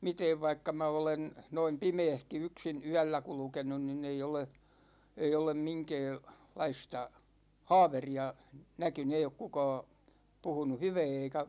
mitään vaikka minä olen noin pimeässäkin yksin yöllä kulkenut niin ei ole ei ole - minkäänlaista haaveria näkynyt ei ole kukaan puhunut hyvää eikä